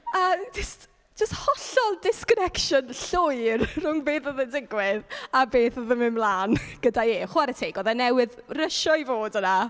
A jyst jyst hollol disconnection llwyr rhwng beth oedd yn digwydd a beth oedd yn mynd mlaen gyda e. Chware teg, oedd e newydd rysio i fod yna.